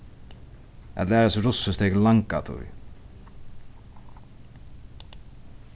at læra seg russiskt tekur langa tíð